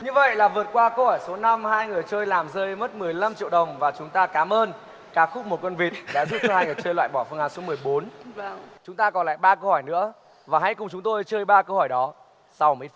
như vậy là vượt qua câu hỏi số năm hai người chơi làm rơi mất mười lăm triệu đồng và chúng ta cảm ơn ca khúc một con vịt đã giúp cho hai người chơi loại bỏ phương án số mười bốn chúng ta còn lại ba câu hỏi nữa và hãy cùng chúng tôi chơi ba câu hỏi đó sau một ít